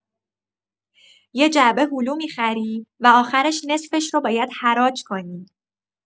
یه جعبه هلو می‌خری و آخرش نصفش رو باید حراج کنی.